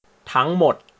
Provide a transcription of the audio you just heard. ทั้งหมด